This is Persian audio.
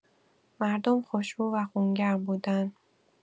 مردم خوش‌رو و خون‌گرم بودن.